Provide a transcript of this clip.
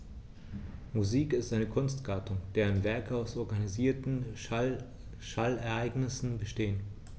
Musik ist eine Kunstgattung, deren Werke aus organisierten Schallereignissen bestehen.